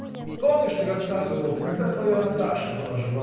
Помнишь, ты рассказывал, когда твоя Наташа была жива.